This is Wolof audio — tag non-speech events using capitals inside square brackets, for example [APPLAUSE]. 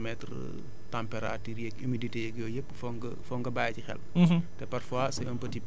ak li ñu naan les paramètres [HESITATION] températures yeeg humidité yeeg yooyu yëpp foog nga foong nga bàyyi ci xel